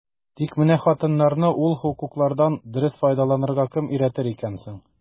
Тик менә хатыннарны ул хокуклардан дөрес файдаланырга кем өйрәтер икән соң?